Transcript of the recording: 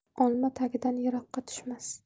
olma tagidan yiroqqa tushmas